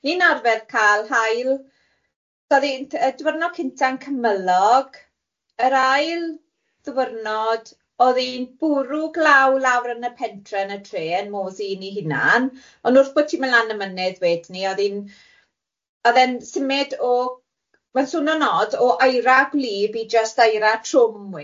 Ni'n arfer cal haul so odd hi'n yy diwrnod cynta'n cymylog, yr ail ddiwrnod oedd hi'n bwrw glaw lawr yn y pentre yn y trên, Mosein i hunan ond wrth bod hi'n mynd lan y mynydd wedyn ni, oedd hi'n oedd e'n symud o mae'n swnio'n od o aira gwlyb i jyst aira trwm wedyn ni so oedd e'n